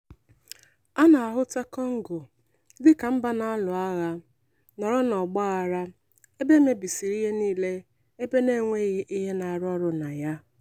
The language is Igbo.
A na-ahụta Kongo dịka mba na-alụ agha, nọrọ n'ọgbaghara, ebe e mebisiri ihe niile, ebe na-enweghị ihe na-arụ ọrụ na ya.